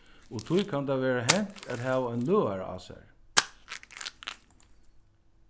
og tí kann tað verða hent at hava ein løðara á sær